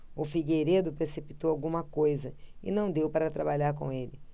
o figueiredo precipitou alguma coisa e não deu para trabalhar com ele